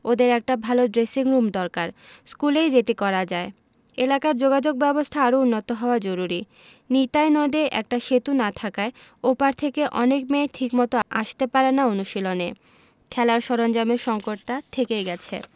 ওদের একটা ভালো ড্রেসিংরুম দরকার স্কুলেই যেটি করা যায় এলাকার যোগাযোগব্যবস্থা আরও উন্নত হওয়া জরুরি নিতাই নদে একটা সেতু না থাকায় ও পার থেকে অনেক মেয়ে ঠিকমতো আসতে পারে না অনুশীলনে খেলার সরঞ্জামের সংকটটা থেকেই গেছে